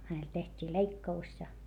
hänelle tehtiin leikkaus ja